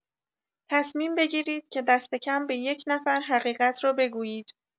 تصمیم بگیرید که دست‌کم به یک نفر حقیقت را بگویید.